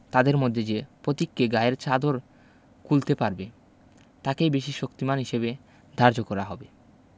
তাদের মধ্যে যে পতিককে গায়ের চাদর খোলাতে পারবে তাকেই বেশি শক্তিমান হিসেবে ধার্য করা হবে